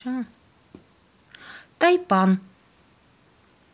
тайпан